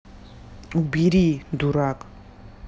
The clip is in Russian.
убери дурак